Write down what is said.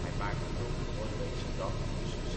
maakt elke doordeweekse dag tussen